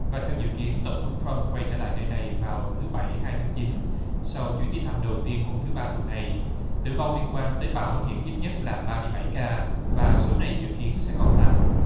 và theo dự kiến tổng thống trăm quay trở lại nơi này vào thứ bảy hai tháng chín sau chuyến đi thăm đầu tiên hôm thứ ba tuần này tử vong liên quan tới bảo hiểm ít nhất là ba mươi bảy ca và số này dự kiến sẽ còn tăng